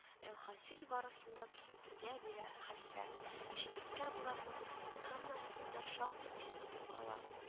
– әлхасил, барысын да күрсәтергә бирә хәлфә. чикерткә боларның һәммәсен дә шактый тиз отып ала